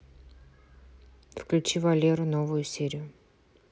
включи валеру новую серию